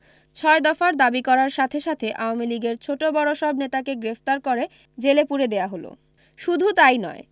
ছয় দফার দাবি করার সাথে সাথেই আওয়ামী লীগের ছোট বড়ো সব নেতাকে গ্রেপ্তার করে জেলে পুরে দেয়া হলো শুধু তাই নয়